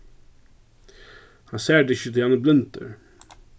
hann sær teg ikki tí hann er blindur